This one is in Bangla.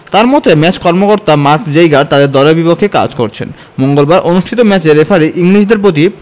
তার মতে ম্যাচ কর্মকর্তা মার্ক জেইগার তাদের দলের বিপক্ষে কাজ করছেন মঙ্গলবার অনুষ্ঠিত ম্যাচে রেফারি ইংলিশদের প্রতি